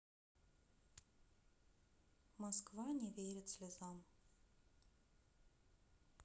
москва не верит слезам